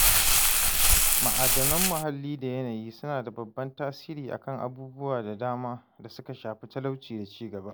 Ma'adanan muhalli da yanayi suna da babban tasiri a kan abubuwa da dama da suka shafi talauci da ci-gaba.